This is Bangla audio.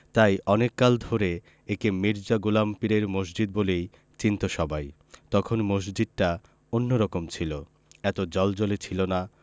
তাই অনেক কাল ধরে একে মির্জা গোলাম পীরের মসজিদ বলেই চিনতো সবাই তখন মসজিদটা অন্যরকম ছিল এত জ্বলজ্বলে ছিলনা